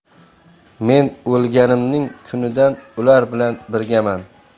men o'lganimning kunidan ular bilan birgaman